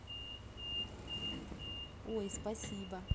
ой спасибо